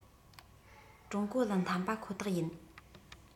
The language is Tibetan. ཀྲུང གོ ལ འཐམས པ ཁོ ཐག ཡིན